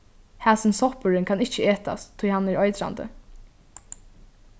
hasin soppurin kann ikki etast tí hann er eitrandi